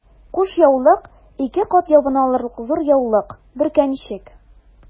Кушъяулык— ике кат ябына алырлык зур яулык, бөркәнчек...